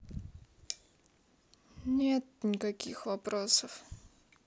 нет никаких вопросов